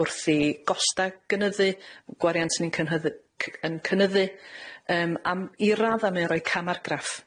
wrth i gosta gynyddu, gw- gwariant ni'n cynhydd- c- yn cynyddu. Ymm am- i radda mae o'n rhoi camargraff.